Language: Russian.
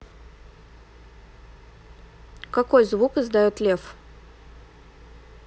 какой звук издает лев